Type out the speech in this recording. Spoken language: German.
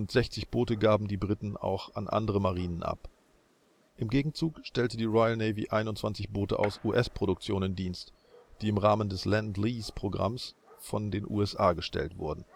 60 Boote gaben die Briten auch an andere Marinen ab. Im Gegenzug stellte die Royal Navy 21 Boote aus US-Produktion in Dienst, die im Rahmen des Lend-Lease-Programms von den USA gestellt wurden